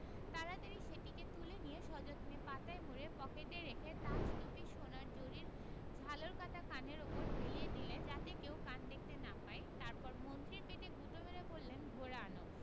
তাড়াতাড়ি সেটিকে তুলে নিয়ে সযত্নে পাতায় মুড়ে পকেটে রেখে তাজ টুপির সোনার জরির ঝালর কাটা কানের উপর হেলিয়ে দিলেন যাতে কেউ কান দেখতে না পায় তারপর মন্ত্রীর পেটে গুতো মেরে বললেন ঘোড়া আনো